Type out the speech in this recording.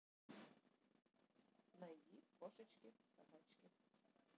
найди кошечки собачки